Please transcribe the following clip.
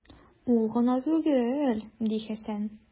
Ул гына түгел, - ди Хәсән.